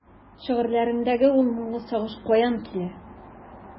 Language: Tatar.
Шигырьләреңдәге ул моңлы сагыш каян килә?